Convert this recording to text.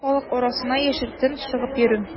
Халык арасына яшертен чыгып йөрү.